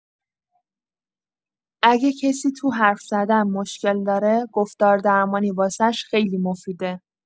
اگه کسی تو حرف‌زدن مشکل داره، گفتاردرمانی واسش خیلی مفیده.